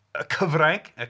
Y cyfranc.